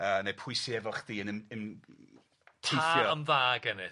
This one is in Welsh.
A ne' pwy sy efo chdi yn ym- ym- teithio Pa ymdda gennyt.